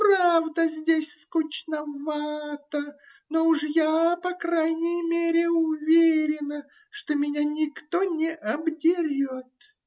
Правда, здесь скучновато, но уж я по крайней мере уверена, что меня никто не обдерет.